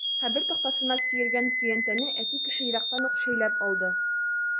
Кабер тактасына сөялгән көянтәне әти кеше ерактан ук шәйләп алды.